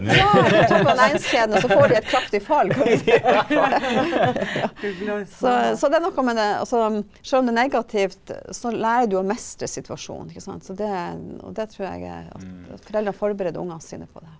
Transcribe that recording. ja på toppen av næringskjeden og så får de et kraftig fall hvor så så det er noe med det, altså sjøl om det er negativt så lærer du å mestre situasjonen ikke sant så det og det trur jeg at at foreldre forbereder ungene sine på det.